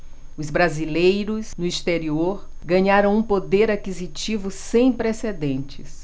os brasileiros no exterior ganharam um poder aquisitivo sem precedentes